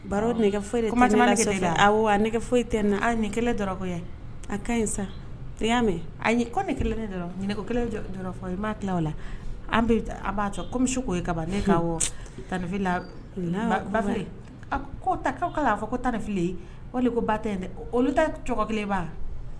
Foyi foyi tɛ ni dɔrɔn a ka sa ya mɛn i' tila la an b'a ko misi ko ka ne ka tan ba ta fɔ ko tan fili de ko ba tɛ dɛ olu kelen